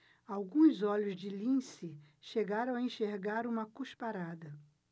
alguns olhos de lince chegaram a enxergar uma cusparada